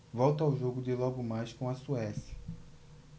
volto ao jogo de logo mais com a suécia